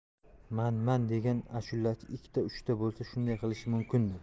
mana man degan ashulachi ikkita uchta bo'lsa shunday qilishi mumkindir